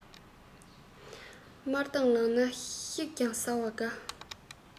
དམར དད ལངས ན ཤིག ཀྱང ཟ བ དགའ